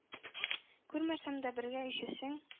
Күрмәсәм дә бергә өчесен,